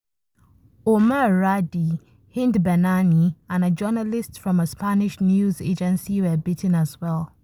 Omar Radi, Hind Bennani, and a journalist from a Spanish news agency were beaten as well.